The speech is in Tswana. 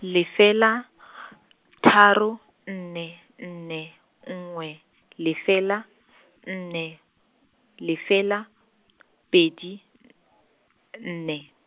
lefela , tharo, nne nne, nngwe, lefela, nne, lefela, pedi, nne.